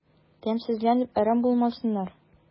Тәмсезләнеп әрәм булмасыннар...